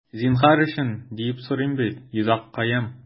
Зинһар өчен, диеп сорыйм бит, йозаккаем...